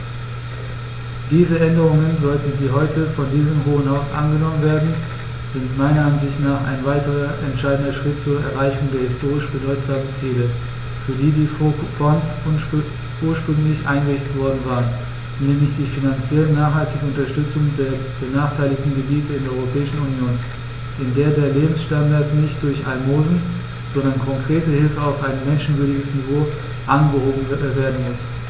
Diese Änderungen, sollten sie heute von diesem Hohen Haus angenommen werden, sind meiner Ansicht nach ein weiterer entscheidender Schritt zur Erreichung der historisch bedeutsamen Ziele, für die die Fonds ursprünglich eingerichtet worden waren, nämlich die finanziell nachhaltige Unterstützung der benachteiligten Gebiete in der Europäischen Union, in der der Lebensstandard nicht durch Almosen, sondern konkrete Hilfe auf ein menschenwürdiges Niveau angehoben werden muss.